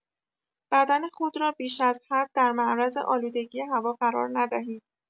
بدن خود را بیش از حد در معرض آلودگی هوا قرار ندهید.